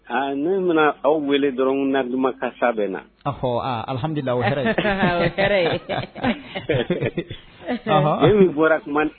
Aa! Ne mana aw wele dɔrɔn na duman kasa bɛ na. Ahɔ! Aa Alhamdoulillahi o ye hɛrɛ ye o ye hɛrɛ ye. Ɔnhɔn ! Ne min bɔra kuma